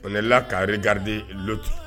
On est là qu'a regarder l'autre _